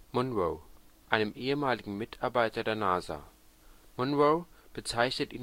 Munroe, einem ehemaligen Mitarbeiter der NASA. Munroe bezeichnet